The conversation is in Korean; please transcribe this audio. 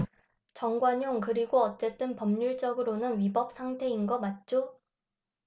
정관용 그리고 어쨌든 법률적으로는 위법 상태인 거 맞죠